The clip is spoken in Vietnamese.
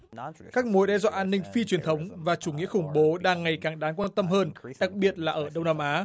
các mối đe dọa an ninh phi truyền thống và chủ nghĩa khủng bố đang ngày càng đáng quan tâm hơn đặc biệt là ở đông nam á